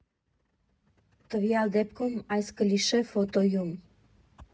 Տվյալ դեպքում այս կլիշե֊ֆոտոյում։